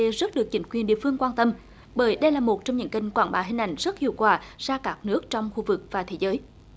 rất được chính quyền địa phương quan tâm bởi đây là một trong những kênh quảng bá hình ảnh rất hiệu quả ra các nước trong khu vực và thế giới